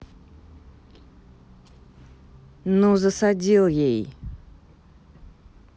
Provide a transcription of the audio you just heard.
ну засадил ей